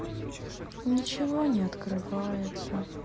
ничего не открывается